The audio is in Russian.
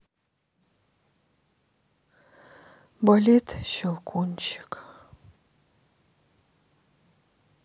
балет щелкунчик